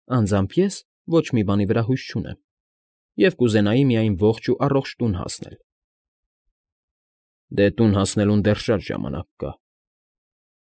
Անձամբ ես ոչ մի բանի վրա հույս չունեմ և կուզենայի միայն ողջ ու առողջ տուն հասնել։ ֊ Դե, տուն հասնելուն դեռ շատ ժամանակ կա։